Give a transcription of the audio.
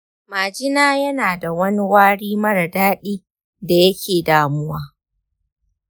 majina na yana da wani wari mara daɗi da yake damuwa.